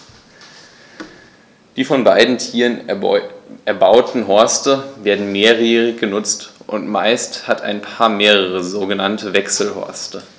Die von beiden Tieren erbauten Horste werden mehrjährig benutzt, und meist hat ein Paar mehrere sogenannte Wechselhorste.